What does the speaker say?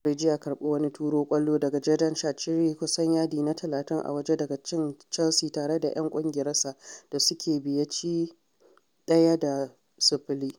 Sturridge ya karɓi wani turo ƙwallo daga Xherdan Shaqiri kusan yadina 30 a waje daga cin Chelsea tare da ‘yan ƙungiyarsa da suke biye ci 1 da 0.